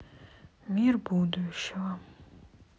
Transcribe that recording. мир будущего